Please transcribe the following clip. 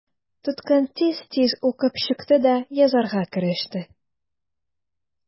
Тоткын тиз-тиз укып чыкты да язарга кереште.